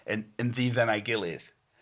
Yn ymddiddan a'i gilydd.